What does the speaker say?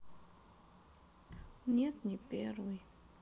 нет не первый